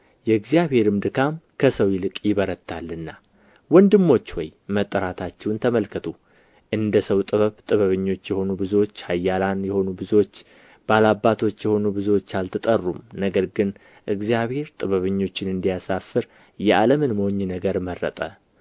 የእግዚአብሔርም ድካም ከሰው ይልቅ ይበረታልና ወንድሞች ሆይ መጠራታችሁን ተመልከቱ እንደ ሰው ጥበብ ጥበበኞች የሆኑ ብዙዎች ኀያላን የሆኑ ብዙዎች ባላባቶች የሆኑ ብዙዎች አልተጠሩም ነገር ግን እግዚአብሔር ጥበበኞችን እንዲያሳፍር የዓለምን ሞኝ ነገር መረጠ